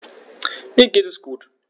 Mir geht es gut.